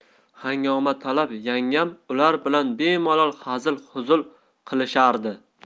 hangomatalab yangam ular bilan bemalol hazil huzul qilishardi